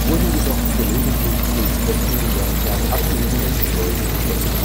wurden jedoch gelegentlich durch Öffnen der bergab liegenden Schleuse geschlossen